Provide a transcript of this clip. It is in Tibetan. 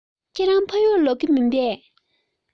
ཁྱེད རང ཕ ཡུལ ལ ལོག གི མིན པས